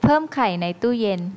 เพิ่มไข่ในตู้เย็น